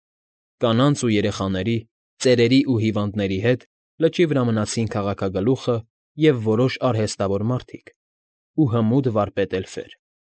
Կանանց ու երեխաների, ծերերի ու հիվանդների հետ լճի վրա մնացին քաղաքագլուխը և որոշ արհեստավոր մարդիկ ու հմուտ վարպետ էլֆեր։